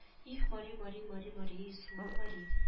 Их мари мари мари мари сылуы мари